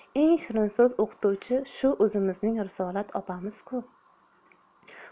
eng shirinso'z o'qituvchi shu o'zimizning risolat opamiz ku